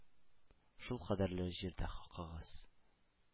Шулкадәрле җирдә хаккыгыз!